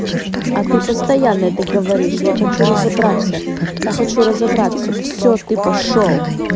а ты постоянно это говоришь я хочу разобраться я хочу разобраться все ты пошел